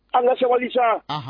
An ka sabali sa